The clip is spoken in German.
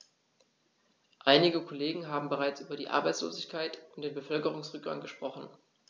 Einige Kollegen haben bereits über die Arbeitslosigkeit und den Bevölkerungsrückgang gesprochen.